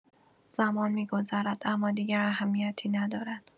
زمان می‌گذرد، اما دیگر اهمیتی ندارد.